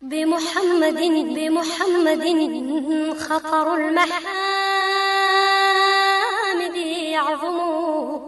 Denbmumad denbmadlayan